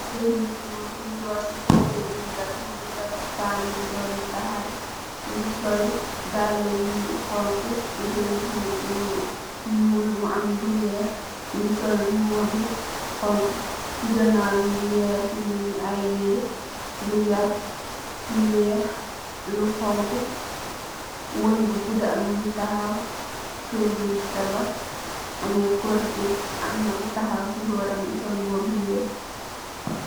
Haleh bu goor bi root ci pompeh gingang mungi teg pan bu domi tahal mungi sol dala yu xonxu tubey bu nyool mu am lu weex mungi sol mbuba bu xonxu ci ganaw nyu ngi weer ci linj ay yereh lu weert lu weex lu xonxu wonj bu guda mungi tahaw ker bunj tabax ameh korget amna ku tahaw ci boram sol mbuba bu weex